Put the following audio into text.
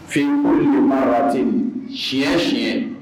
Fi de marati si si